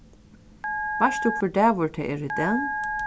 veitst tú hvør dagur tað er í dag